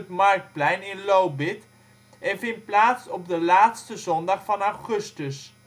marktplein in Lobith en vindt plaats op de laatste zondag van augustus